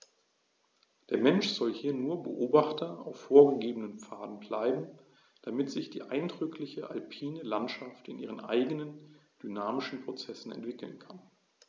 Der Mensch soll hier nur Beobachter auf vorgegebenen Pfaden bleiben, damit sich die eindrückliche alpine Landschaft in ihren eigenen dynamischen Prozessen entwickeln kann.